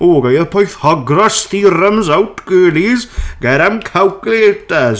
Oh, get your pythagoras theorems out, girlies! Get 'em calculators.